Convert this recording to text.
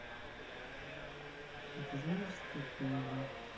а ты знаешь сколько ей лет